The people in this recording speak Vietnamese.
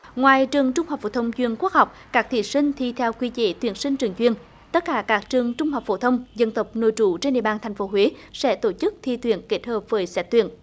ngoài trường trung học phổ thông chuyên quốc học các thí sinh thi theo quy chế tuyển sinh trường chuyên tất cả các trường trung học phổ thông dân tộc nội trú trên địa bàn thành phố huế sẽ tổ chức thi tuyển kết hợp với xét tuyển